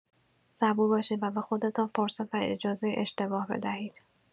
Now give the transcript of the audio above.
صبور باشید و به خودتان فرصت و اجازه اشتباه بدهید.